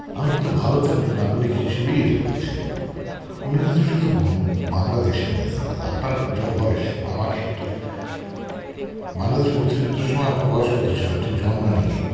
আমি কিন্তু ভারতের নাগরিক হিসেবেই এটা বলছি উনি কিন্তু শুধু বাংলাদেশের নেতা না আপনার যা বয়স আমার ৭০ বাংলাদেশে মুক্তিযুদ্ধের সময় আপনার বয়স কত ছিল আপনি জন্মানইনি